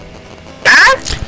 a